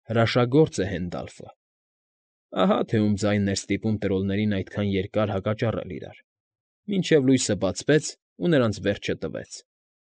Հրաշագործ է Հենդալֆը… Ահա թե ում ձայնն էր ստիպում տրոլներին այդքան երկար հակճառել իրար, մինչև լույսը բացվեց ու նրանց վերջը տվեց։